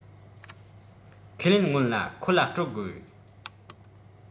ཁས ལེན སྔོན ལ ཁོ ལ སྤྲོད དགོས